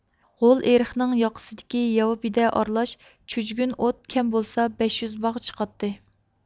غول ئېرىقنىڭ ياقىسىدىكى ياۋا بېدە ئارىلاش چۈجگۈن ئوت كەم بولسا بەش يۈز باغ چىقاتتى